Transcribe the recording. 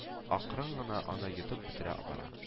Акрын гына аны йотып бетерә бара